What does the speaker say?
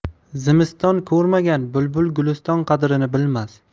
zimiston ko'rmagan bulbul guliston qadrini bilmas